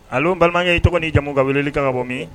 A balimakɛ ye tɔgɔ ni jamu ka weleli kan ka bɔ min